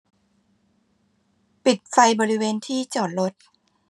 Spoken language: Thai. ปิดไฟบริเวณที่จอดรถ